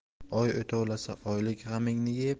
oy o'tovlasa oylik g'amingni ye